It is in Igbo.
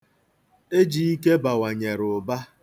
Ejike bawanyere ụba.